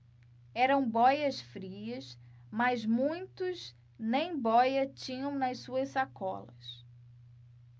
eram bóias-frias mas muitos nem bóia tinham nas suas sacolas